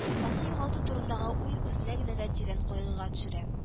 Аны югалту турындагы уй үзе генә дә тирән кайгыга төшерә